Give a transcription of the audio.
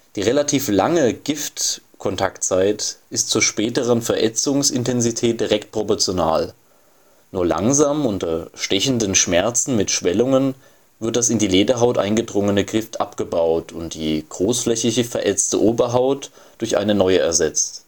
Die relativ lange Gift-Kontaktzeit ist zur späteren Verätzungsintensität direkt proportional. Nur langsam unter stechenden Schmerzen mit Schwellungen wird das in die Lederhaut eingedrungene Gift abgebaut und die großflächig verätzte Oberhaut durch eine neue ersetzt